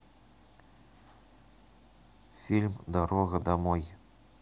фильм дорога домой